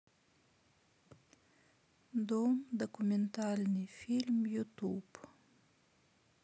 дом документальный фильм ютуб